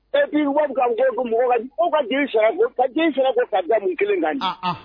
Epii wa ko ko mɔgɔ ka den ka den fɛrɛ ka ka mun kelen kan ɲi